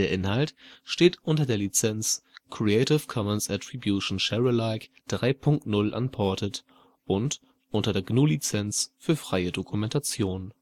Inhalt steht unter der Lizenz Creative Commons Attribution Share Alike 3 Punkt 0 Unported und unter der GNU Lizenz für freie Dokumentation